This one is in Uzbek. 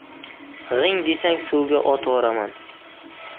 g'ing desang suvga otvoraman